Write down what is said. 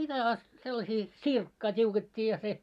mitä ja sellaisia sirkkaa tiukettiin ja se